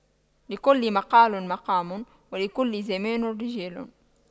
لكل مقام مقال ولكل زمان رجال